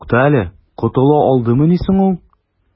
Туктале, котыла алдымыни соң ул?